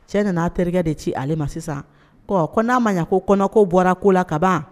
Cɛ nana'a terikɛ de ci ale ma sisan ko n'a ma ɲɛ ko koko bɔra ko la kaban